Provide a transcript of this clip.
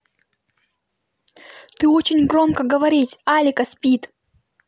ты очень громко говорить алика спит